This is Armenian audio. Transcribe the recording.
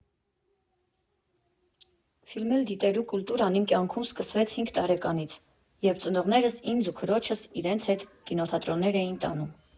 Ֆիլմեր դիտելու կուլտուրան իմ կյանքում սկսվեց հինգ տարեկանից, երբ ծնողներս ինձ ու քրոջս իրենց հետ կինոթատրոններ էին տանում։